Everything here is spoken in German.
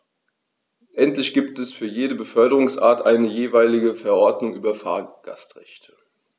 Endlich gibt es jetzt für jede Beförderungsart eine jeweilige Verordnung über Fahrgastrechte.